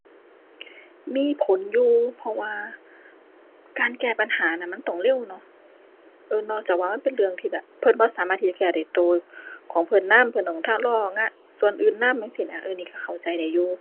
มีผลอยู่ เพราะว่าการแก้ปัญหาน่ะมันต้องเร็วเนาะ เออ นอกจากว่ามันเป็นเรื่องที่แบบ เพิ่นบ่สามารถที่จะแก้ด้วยตัวของเพิ่นนำ เพิ่นต้องทะ รองานส่วนอื่นนำจั่งซี้น่ะ เออ นี่ตัวเข้าใจได้อยู่